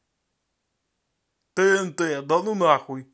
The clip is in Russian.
тнт да ну нахуй